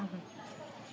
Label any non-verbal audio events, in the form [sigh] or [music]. [hesitation]